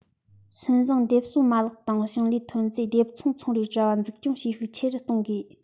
སོན བཟང འདེབས གསོ མ ལག དང ཞིང ལས ཐོན རྫས སྡེབ འཚོང ཚོང རའི དྲ བ འཛུགས སྐྱོང བྱེད ཤུགས ཆེ རུ གཏོང དགོས